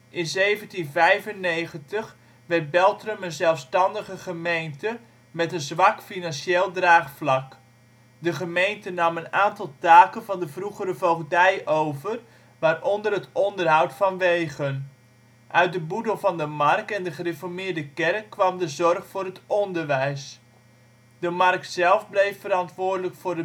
In 1795 werd Beltrum een zelfstandige gemeente met een zwak financieel draagvlak. De gemeente nam een aantal taken van de vroegere voogdij over, waaronder het onderhoud van wegen. Uit de boedel van de mark en de gereformeerde kerk kwam de zorg voor het onderwijs. De mark zelf bleef verantwoordelijk voor